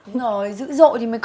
đúng rồi dữ dội thì mới